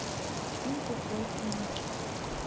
свинку пеппу